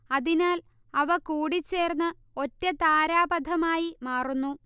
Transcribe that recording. അതിനാൽ അവ കൂടിച്ചേർന്ന് ഒറ്റ താരാപഥമായി മാറുന്നു